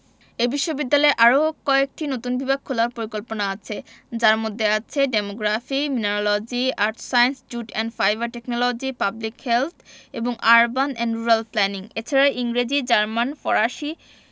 এই বিশ্ববিদ্যালয়ে আরও কয়েকটি নতুন বিভাগ খোলার পরিকল্পনা আছে যার মধ্যে আছে demography mineralogy earth science jute and fibre technology public health এবং আরবান অ্যান্ড রুরাল প্ল্যানিং এছাড়া ইংরেজি জার্মান ফরাসি